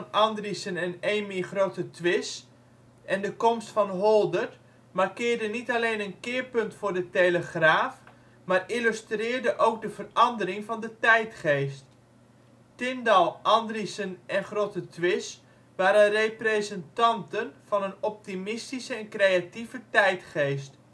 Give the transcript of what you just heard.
Andriessen en Amy Grothe-Twiss, en de komst van Holdert markeerde niet alleen een keerpunt voor de Telegraaf, maar illustreerde ook de verandering van de tijdgeest. Tindal, Andriessen en Grothe-Twiss waren representanten van een optimistische en creatieve tijdgeest